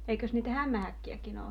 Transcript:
eikös niitä hämähäkkejäkin ole